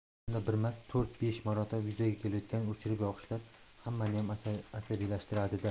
bir kunda birmas to'rt besh marotaba yuzaga kelayotgan o'chirib yoqishlar hammaniyam asabiylashtiradida